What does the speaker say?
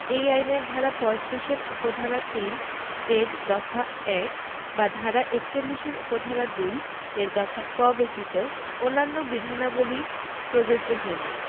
এই আইনের ধারা ৩৫ এর উপ ধারা ৩ এর দফা ক বা ধারা ৪১ এর উপ ধারা ২ এর দফা ক ব্যতীত অন্যান্য বিধানাবলী প্রযোজ্য হইবে